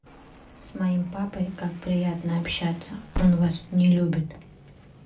с моим папой как приятно общаться он вас не любит